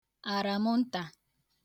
àràmụntà